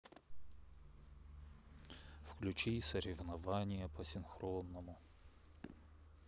включи соревнования по синхронному